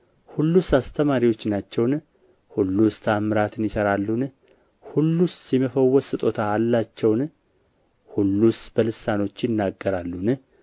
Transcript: ሁሉስ አስተማሪዎች ናቸውን ሁሉስ ተአምራትን ይሠራሉን ሁሉስ የመፈወስ ስጦታ አላቸውን ሁሉስ በልሳኖች ይናገራሉን